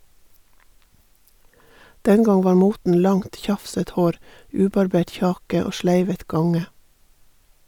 Den gang var moten langt, tjafset hår, ubarbert kjake og sleivet gange.